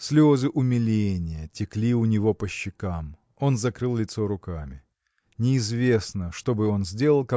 Слезы умиления текли у него по щекам. Он закрыл лицо руками. Неизвестно что бы он сделал